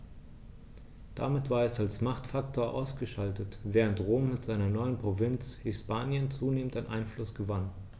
Damit war es als Machtfaktor ausgeschaltet, während Rom mit seiner neuen Provinz Hispanien zunehmend an Einfluss gewann.